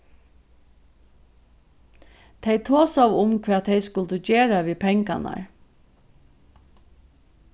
tey tosaðu um hvat tey skuldu gera við pengarnar